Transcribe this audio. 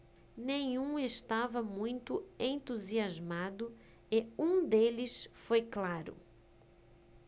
nenhum estava muito entusiasmado e um deles foi claro